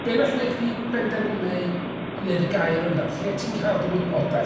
Beth wnaeth wneud chdi benderfynu wneud y gair yna? Lle ti'n cael dy wybodaeth?